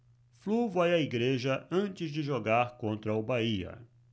flu vai à igreja antes de jogar contra o bahia